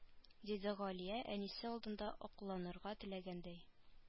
Диде галия әнисе алдында акланырга теләгәндәй